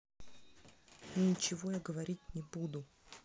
ничего я говорить не буду